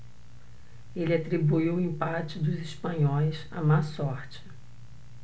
ele atribuiu o empate dos espanhóis à má sorte